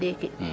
layo na ndiiki,